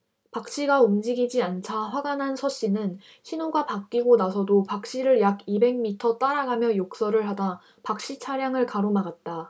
박씨가 움직이지 않자 화가 난 서씨는 신호가 바뀌고 나서도 박씨를 약 이백 미터 따라가며 욕설을 하다 박씨 차량을 가로막았다